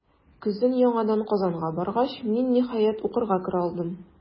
Көзен яңадан Казанга баргач, мин, ниһаять, укырга керә алдым.